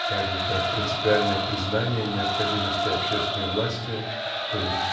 так же как принципиальное признание необходимости общественной власти (т. е.